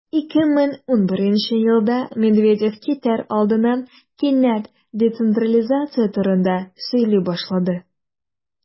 2011 елда медведев китәр алдыннан кинәт децентрализация турында сөйли башлады.